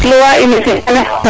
rafetlu wa émission ne